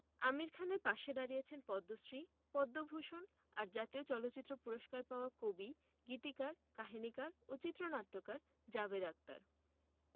আমির খানের পাশে দাঁড়িয়েছেন পদ্মশ্রী পদ্মভূষণ আর জাতীয় চলচ্চিত্র পুরস্কার পাওয়া কবি গীতিকার কাহিনিকার ও চিত্রনাট্যকার জাভেদ আখতার